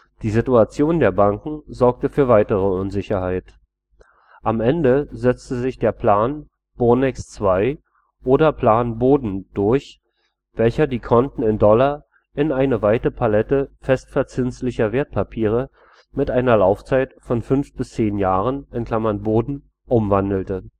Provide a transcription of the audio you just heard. Die Situation der Banken sorgte für weitere Unsicherheit. Am Ende setzte sich der Plan Bonex II oder Plan BODEN durch, welcher die Konten in Dollar in eine weite Palette festverzinslicher Wertpapiere mit einer Laufzeit von 5-10 Jahren (Boden) umwandelte